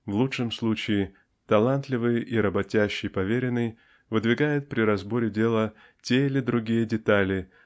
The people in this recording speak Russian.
В лучшем случае талантливый и работящий поверенный выдвигает при разборе дела те или другие детали